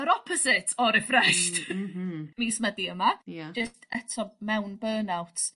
yr opposite o refreshed... Mmm m-hm. ...mis Medi yma... Ia. ...jest eto mewn burnout*.